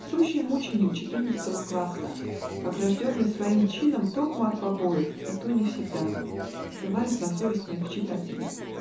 Сущий мученик четырнадцатого класса, огражденный своим чином токмо от побоев, и то не всегда (ссылаюсь на совесть моих читателей).